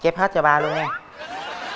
chép hết cho ba luôn nhe